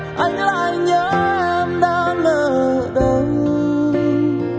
anh lại nhớ em đang ở đâu